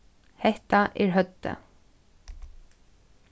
hetta er høvdið